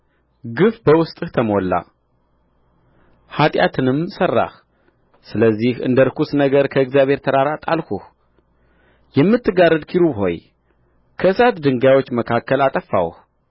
ግፍ በውስጥህ ተሞላ ኃጢአትንም ሠራህ ስለዚህ እንደ ርኩስ ነገር ከእግዚአብሔር ተራራ ጣልሁህ የምትጋርድ ኪሩብ ሆይ ከእሳት ድንጋዮች መካከል አጠፋሁህ